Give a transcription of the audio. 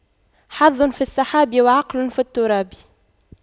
حظ في السحاب وعقل في التراب